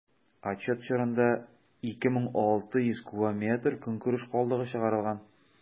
Отчет чорында 2600 кубометр көнкүреш калдыгы чыгарылган.